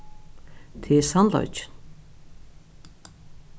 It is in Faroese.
tað er sannleikin